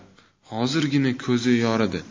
hozirgina ko'zi yoridi